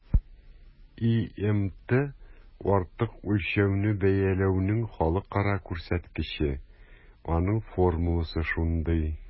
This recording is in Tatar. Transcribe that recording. ИМТ - артык үлчәүне бәяләүнең халыкара күрсәткече, аның формуласы шундый: